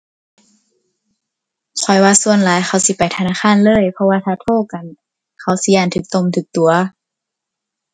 ข้อยว่าส่วนหลายเขาสิไปธนาคารเลย เพราะว่าถ้าโทรกันเขาสิย้านถูกต้มถูกตั๋ว